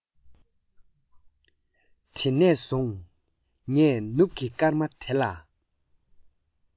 དེ ནས བཟུང ངས ནུབ ཀྱི སྐར མ དེ ལ